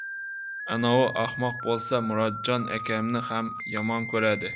anovi ahmoq bo'lsa murodjon akamni ham yomon ko'radi